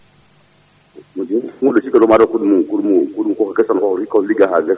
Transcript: hunde cikkanno mataw ko ɗum ko ɗum guese ko tan ko ɗumligga ha gaasi